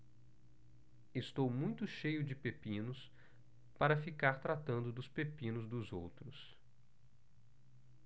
estou muito cheio de pepinos para ficar tratando dos pepinos dos outros